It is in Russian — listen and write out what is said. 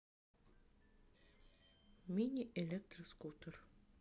мини электроскутер